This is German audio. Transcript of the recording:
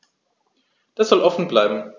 Das soll offen bleiben.